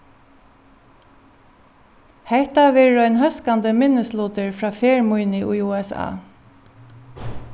hetta verður ein hóskandi minnislutur frá ferð míni í usa